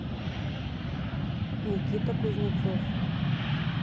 никита кузнецов